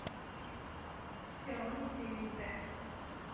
xiaomi девять т